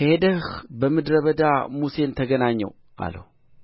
ሄደህ በምድረ በዳ ሙሴን ተገናኘው አለው